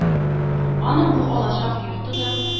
Аның бу алачык-йорты да